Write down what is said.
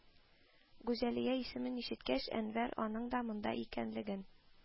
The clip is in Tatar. Гүзәлия исемен ишеткәч, Әнвәр аның да монда икәнлеген